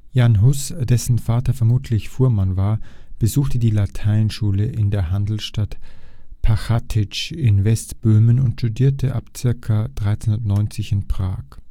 Jan Hus, dessen Vater vermutlich Fuhrmann war, besuchte die Lateinschule in der Handelsstadt Prachatice in Westböhmen und studierte ab ca. 1390 in Prag